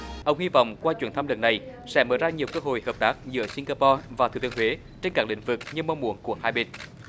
ông hy vọng qua chuyến thăm lần này sẽ mở ra nhiều cơ hội hợp tác giữa sing ga po và thừa thiên huế trên các lĩnh vực như mong muốn của hai bên